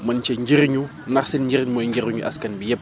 mën cee jëriñu ndax seen njëriñ mooy njëriñu askan bi yëpp